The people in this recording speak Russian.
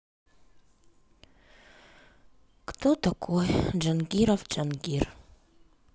кто такой джангиров джангир